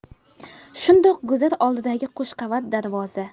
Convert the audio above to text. shundoq guzar oldidagi qo'shqavat darvoza